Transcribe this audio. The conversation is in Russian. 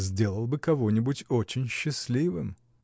— Сделал бы кого-нибудь очень счастливым.